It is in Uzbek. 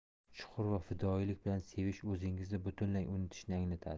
chuqur va fidoyilik bilan sevish o'zingizni butunlay unutishni anglatadi